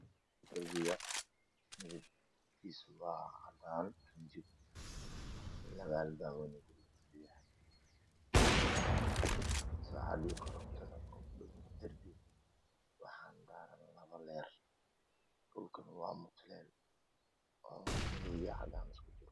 Darbiga kalarkisa cadaan laba alabaab iyo saacad koranta waxaa daaran labo leer madow cadaan isku jiro